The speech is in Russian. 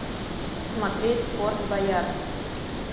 смотреть форд боярд